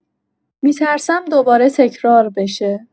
می‌ترسم دوباره تکرار بشه.